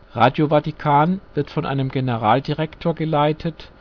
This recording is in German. Radio Vatikan wird von einem Generaldirektor geleitet